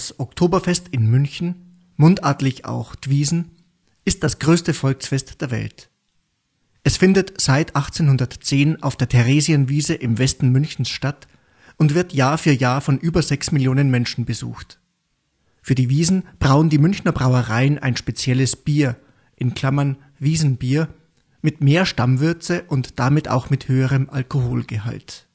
Oktoberfest in München (mundartlich auch d’ Wiesn) ist das größte Volksfest der Welt. Es findet seit 1810 auf der Theresienwiese im Westen Münchens statt und wird Jahr für Jahr von über sechs Millionen Menschen besucht. Für die Wiesn brauen die Münchner Brauereien ein spezielles Bier (Wiesnbier) mit mehr Stammwürze und damit auch mit höherem Alkoholgehalt